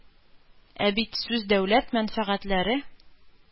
Ә бит сүз дәүләт мәнфәгатьләре